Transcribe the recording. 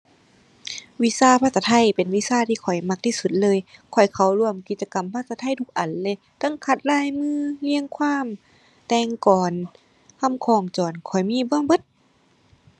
วิชาภาษาไทยเป็นวิชาที่ข้อยมักที่สุดเลย ข้อยเข้าร่วมกิจกรรมภาษาไทยทุกอันเลย เทิงคัดลายมือ เรียงความ แต่งกลอน คำคล้องจอง ข้อยมีมาเบิด